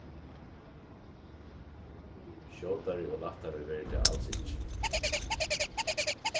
skjótari og lættari verður tað als ikki